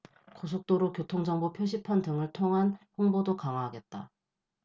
고속도로 교통정보 표시판 등을 통한 홍보도 강화하겠다